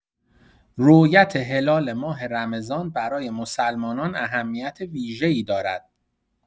رؤیت هلال ماه رمضان برای مسلمانان اهمیت ویژه‌ای دارد.